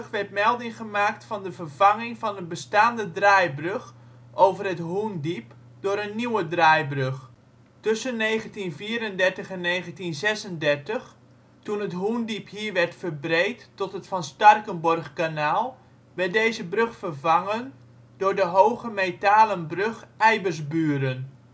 werd melding gemaakt van de vervanging van een bestaande draaibrug over het Hoendiep door een nieuwe draaibrug. Tussen 1934 en 1936, toen het Hoendiep hier werd verbreed tot het van Starkenborghkanaal, werd deze brug vervangen door de hoge metalen brug Eibersburen